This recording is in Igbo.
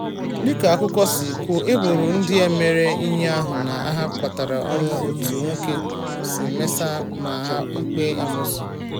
Dịka akụkọ si kwuo, eboro ndị emere ihe ahụ na ha kpatara ọnwụ otu nwoke ma mesịa maa ha ikpe amoosu site na nnọkọ isi obodo (mgbakọ obodo).